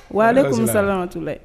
Wa ale kɔmimisalatu dɛ